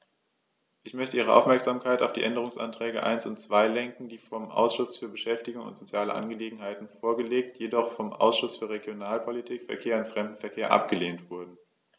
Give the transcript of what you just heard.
Ich möchte Ihre Aufmerksamkeit auf die Änderungsanträge 1 und 2 lenken, die vom Ausschuss für Beschäftigung und soziale Angelegenheiten vorgelegt, jedoch vom Ausschuss für Regionalpolitik, Verkehr und Fremdenverkehr abgelehnt wurden.